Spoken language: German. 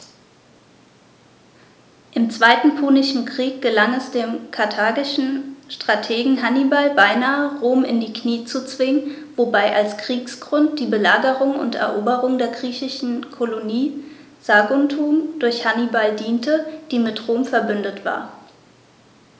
Im Zweiten Punischen Krieg gelang es dem karthagischen Strategen Hannibal beinahe, Rom in die Knie zu zwingen, wobei als Kriegsgrund die Belagerung und Eroberung der griechischen Kolonie Saguntum durch Hannibal diente, die mit Rom „verbündet“ war.